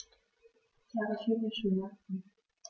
Ich habe viele Schmerzen.